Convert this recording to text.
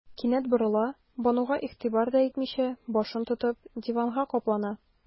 Кинәт борыла, Бануга игътибар да итмичә, башын тотып, диванга каплана.